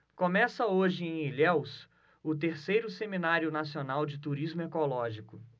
começa hoje em ilhéus o terceiro seminário nacional de turismo ecológico